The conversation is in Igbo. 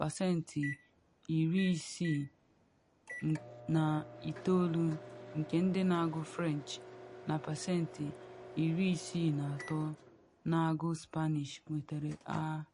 pasentị 69 nke ndị na agụ French na pasentị 63 na agụ Spanish nwetara A.